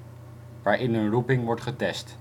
waarin hun roeping wordt getest